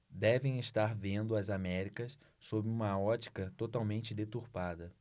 devem estar vendo as américas sob uma ótica totalmente deturpada